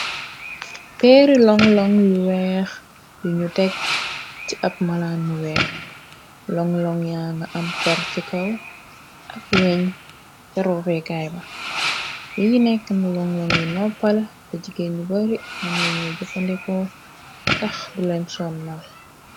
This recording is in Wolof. peeri long loŋg yu weex yuñu teg ci ab malaan nu weex long long yaa nga am per ci kaw ab weñ te rooveekaay ba liy nekkna long loŋg yu noppala te jigén yu bari am lañooy jëppandekoo ndax duleen soonna